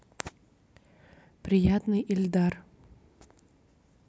приятный ильдар